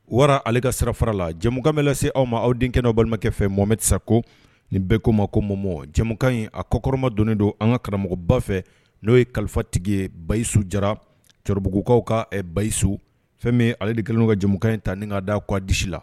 Wara ale ka sira fara la jɛmukan bɛ lase aw ma aw denkɛ kɛnɛw balimakɛ fɛ mɔmɛtisa ko nin bɛko ma ko mɔ mɔ jamukan in a kɔkɔrɔma don don an ka karamɔgɔba fɛ n'o ye kalifatigi ye basiyisu jara cɛkɔrɔbabugubugukaw ka basiyisu fɛn bɛ ale de kelen ka jamukan in ta n' d da koa disi la